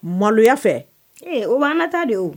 Maloya fɛ ee o bannata de o